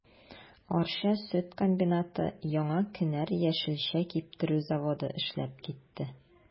Арча сөт комбинаты, Яңа кенәр яшелчә киптерү заводы эшләп китте.